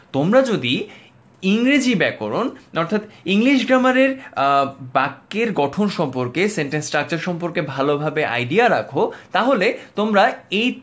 তোমরা যদি ইংরেজি ব্যাকরণ অর্থাৎ ইংলিশ গ্রামারের বাক্যের গঠন সম্পর্কে সেন্টেন্স স্ট্রাকচার সম্পর্কে ভাল আইডিয়া রাখ তাহলে তোমরা এই